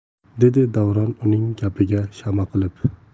dedi davron uning gapiga shama qilib